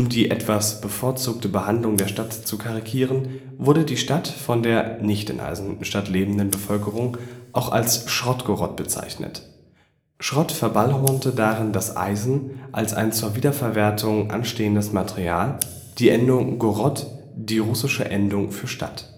die etwas bevorzugte Behandlung der Stadt zu karikieren, wurde die Stadt von der (nicht in Eisenhüttenstadt lebenden) Bevölkerung auch als Schrottgorod bezeichnet. Schrott verballhornte darin das Eisen als ein zur Wiederverwertung anstehendes Material, die Endung - gorod die russische Endung für - stadt